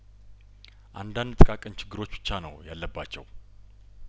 አንዳንድ ጥቃቅን ችግሮች ብቻ ነው ያለባቸው